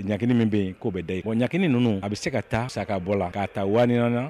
Ɲaini min bɛ yen k'o bɛ da nk ɲaini ninnu a bɛ se ka taa sa k'a bɔ la k ka taa wa na